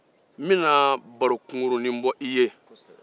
n bɛna baro kunkurunnin bɔ i ye